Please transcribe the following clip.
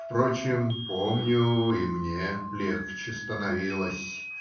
Впрочем, помню, и мне легче становилось.